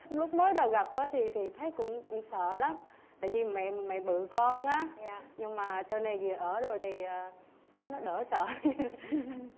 lúc mới đầu gặp á thì thì thấy cũng cũng sợ lắm tại vì mẹ mẹ bự con á nhưng mà sau này về ở rồi thì nó đỡ sợ đi